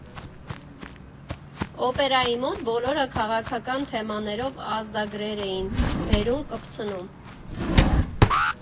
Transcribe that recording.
Օպերայի մոտ բոլորը քաղաքական թեմաներով ազդագրեր էին բերում֊կպցնում։